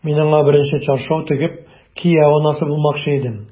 Мин аңа беренче чаршау тегеп, кияү анасы булмакчы идем...